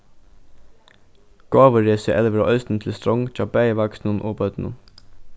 gávuresið elvir eisini til strongd hjá bæði vaksnum og børnum